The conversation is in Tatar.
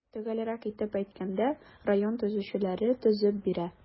Төгәлрәк итеп әйткәндә, район төзүчеләре төзеп бирә.